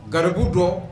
Garirku dɔn